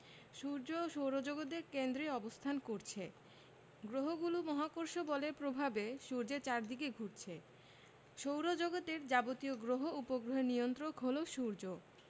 সূর্য সৌরজগতের কেন্দ্রে অবস্থান করছে গ্রহগুলো মহাকর্ষ বলের প্রভাবে সূর্যের চারদিকে ঘুরছে সৌরজগতের যাবতীয় গ্রহ উপগ্রহের নিয়ন্ত্রক হলো সূর্য